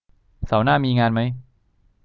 เสาร์หน้ามีงานมั้ย